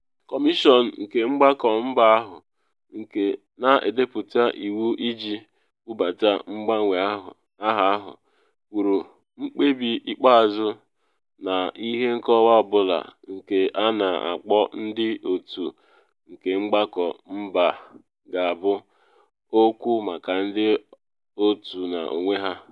Kọmishọn nke Mgbakọ Mba ahụ, nke na edepụta iwu iji bubata mgbanwe aha ahụ, kwuru: “Mkpebi ikpeazụ na ihe nkọwa ọ bụla nke a na akpọ Ndị Otu nke Mgbakọ Mba ga-abụ okwu maka ndị otu n’onwe ha.”